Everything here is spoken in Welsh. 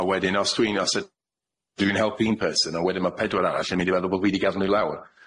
A wedyn os dwi'n os yy dwi'n helpu un person a wedyn ma' pedwar arall yn mynd i feddwl bo' fi di gadw n'w lawr.